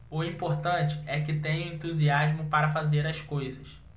o importante é que tenho entusiasmo para fazer as coisas